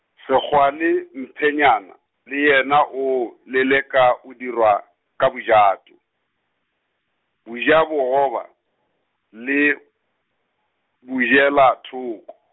Sekgwa ne Mphonyana, le yena oa, leleka o dirwa ka bojato, bojabogoba- le, bojelathoko.